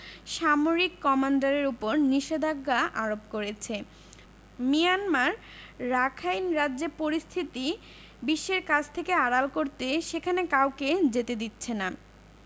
সামরিক কমান্ডারের ওপর নিষেধাজ্ঞা আরোপ করেছে মিয়ানমার রাখাইন রাজ্য পরিস্থিতি বিশ্বের কাছ থেকে আড়াল করতে সেখানে কাউকে যেতে দিচ্ছে না